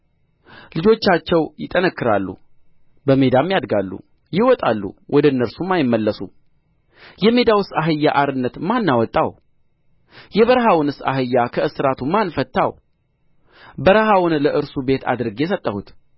ልጆቻቸው ይጠነክራሉ በሜዳም ያድጋሉ ይወጣሉ ወደ እነርሱም አይመለሱም የሜዳውስ አህያ አርነት ማን አወጣው የበረሃውንስ አህያ ከእስራቱ ማን ፈታው በረሃውን ለእርሱ ቤት አድርጌ ሰጠሁት